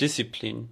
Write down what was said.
Discipline